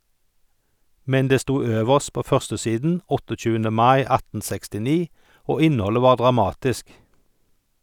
Men det sto øverst på førstesiden 28. mai 1869, og innholdet var dramatisk.